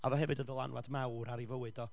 oedd o hefyd yn dylanwad mawr ar ei fywyd o,